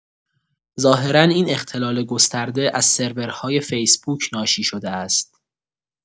ظاهرا این اختلال گسترده از سرورهای فیسبوک ناشی شده است.